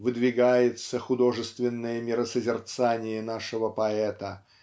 выдвигается художественное миросозерцание нашего поэта